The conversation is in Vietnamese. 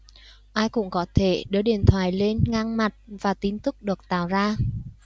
ai cũng có thể đưa điện thoại lên ngang mặt và tin tức được tạo ra